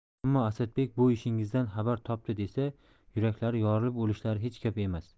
ammo asadbek bu ishingizdan xabar topdi desa yuraklari yorilib o'lishlari hech gap emas